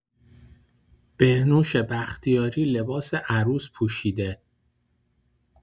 بهنوش بختیاری لباس عروس پوشیده